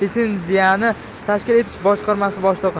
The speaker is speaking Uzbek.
litsenziyani tashkil etish boshqarmasi boshlig'i